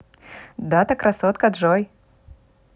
дата красотка джой